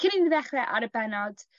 Cyn i ni ddechre âr y bennod